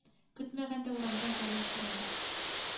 — булдыра алмыйм, минем елыйсым килә.